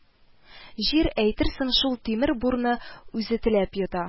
Җир әйтерсең шул тимер бурны үзе теләп йота